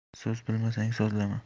so'z bilmasang so'zlama